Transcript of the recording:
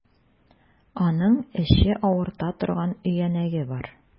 Аның эче авырта торган өянәге бар.